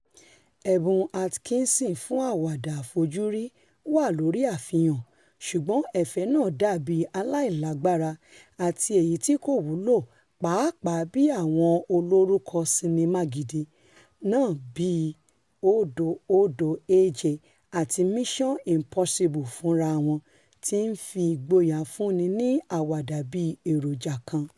Ẹ̀bùn Atkinson fún àwàdà àfojúrí wà lórí àfihàn, ṣùgbọ́n ẹ̀fẹ̀ náà dàbí aláìlágbárá àti èyití kò wúlò papàá bí àwọn olórúkọ sinnimá ''gidi'' náà bíi 007 àti Mission Impossible fúnrawọn ti ńfi ìgboyà fúnni ní àwàdà bí èròja kan.